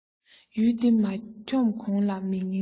ཡུལ སྡེ མ འཁྱོམས གོང ལ མི ངན ཕུད